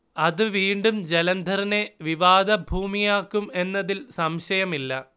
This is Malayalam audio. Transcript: അത് വീണ്ടും ജലന്ധറിനെ വിവാദഭൂമിയാക്കും എന്നതിൽ സംശയമില്ല